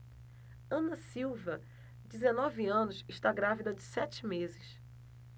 ana silva dezenove anos está grávida de sete meses